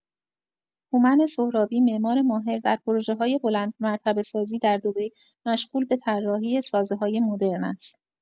هومن سهرابی، معمار ماهر، در پروژه‌های بلندمرتبه‌سازی در دبی مشغول به طراحی سازه‌های مدرن است.